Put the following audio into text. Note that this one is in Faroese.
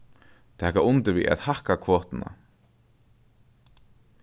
taka undir við at hækka kvotuna